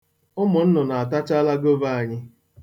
Ụmụ nnụnụ atachaala gova anyị.